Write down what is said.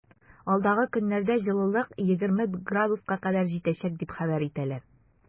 Алдагы көннәрдә җылылык 20 градуска кадәр җитәчәк дип хәбәр итәләр.